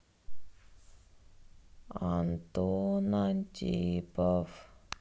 антон антипов